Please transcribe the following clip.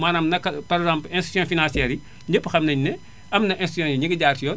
maanaam naka par exemple institution financières yi ñépp xam nañu ne am na institutions yoo xam ne ñu ngi jaar si yoon